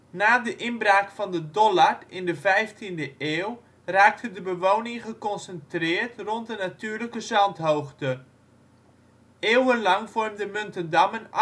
Na de inbraak van de Dollard in de vijftiende eeuw raakte de bewoning geconcentreerd rond een natuurlijke zandhoogte. Eeuwenlang vormde Muntendam een arbeidsreservoir